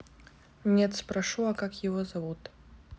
нет спрошу а как его зовут